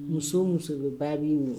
Muso muso bɛ ba b'i wo